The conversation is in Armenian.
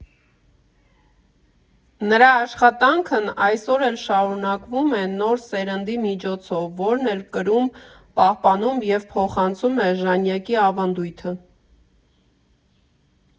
Նրա աշխատանքն այսօր էլ շարունակվում է նոր սերնդի միջոցով, որն էլ կրում, պահպանում և փոխանցում է ժանյակի ավանդույթը։